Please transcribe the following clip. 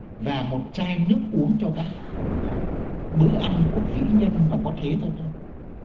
và một chai nước uống cho bác bữa ăn của vĩ nhân mà có thế thôi đấy